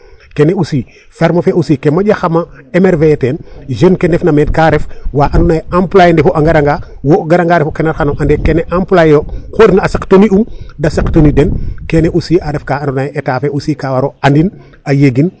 Kene aussi ferme fe aussi ke moƴaxama emerveiller ten jeune ke ndefna men ka ndef wa andna yee employer ndefu a ngaranga wo' garanga ref o kenar xan o ande kene employé yo oxu refna a saq tenue um da saq tenue den kene aussi a ref ka andoona yee Etat fe aussi ka war o andin a yegin.